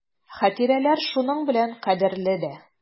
Хатирәләр шуның белән кадерле дә.